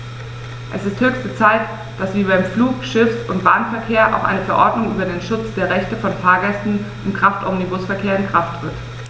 Es ist höchste Zeit, dass wie beim Flug-, Schiffs- und Bahnverkehr auch eine Verordnung über den Schutz der Rechte von Fahrgästen im Kraftomnibusverkehr in Kraft tritt.